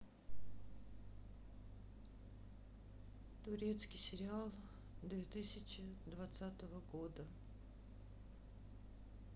турецкий сериал две тысячи двадцатого года